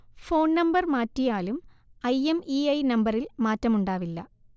phone number മാറ്റിയാലും I M E I നമ്പറിൽ മാറ്റമുണ്ടാവില്ല